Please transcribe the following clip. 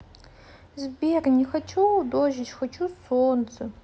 сбер не хочу дождь хочу солнце